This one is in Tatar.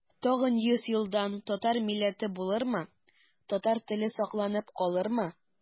Тагын йөз елдан татар милләте булырмы, татар теле сакланып калырмы?